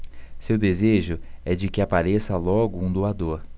seu desejo é de que apareça logo um doador